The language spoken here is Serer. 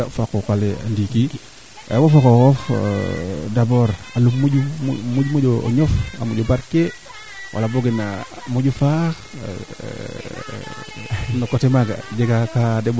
parce que o kiin na soxla ka xam xam fee a gar aley ne keke de keeke yo te xendti nangam mo waaw naa ndiiki kaaga pour o kiina muc teen a somba ngaaye ko jeg ɗak jeg joor fee